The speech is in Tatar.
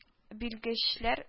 Билгечләр